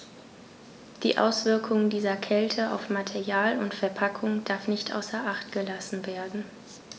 Die Auswirkungen dieser Kälte auf Material und Verpackung darf nicht außer acht gelassen werden.